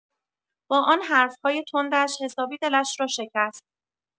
با آن حرف‌های تندش حسابی دلش را شکست.